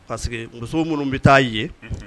Parce que_ muso minnu bɛ taa ye, unhun.